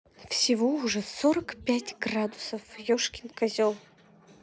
всего уже сорок пять градусов ешкин козел